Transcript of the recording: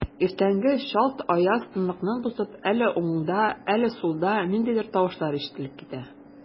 Иртәнге чалт аяз тынлыкны бозып, әле уңда, әле сулда ниндидер тавышлар ишетелеп китә.